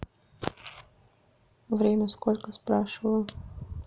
время сколько спрашиваю